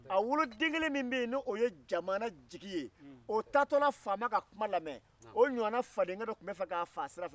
a woloden kelen min ye jamana jigi ye o fadenkɛ tun bɛna o faa o taatɔ faama ka weele lajɛ